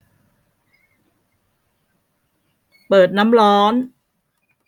เปิดน้ำร้อน